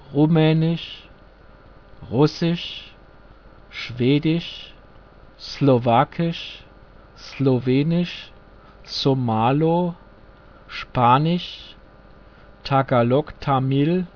Rumänisch, Russisch, Schwedisch, Slowakisch, Slowenisch, Somalo, Spanisch, Tagalok Tamil